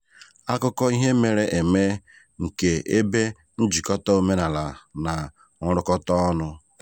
Akụkọ ihe mere eme nke ebe njikọta omenaala na nrụkọta ọnụ